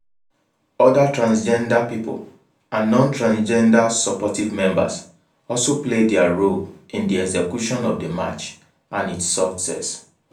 Other transgender people and non-transgender supportive members also played their role in the execution of the march and its success.